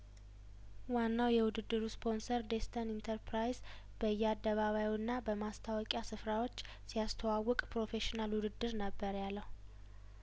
ዋናው የውድድሩ ስፖንሰር ዴስተን ኢንተርፕራይዝ በየአደባባዩና በማስታወቂያ ስፍራዎች ሲያስተዋውቅ ፕሮፌሽናል ውድድር ነበር ያለው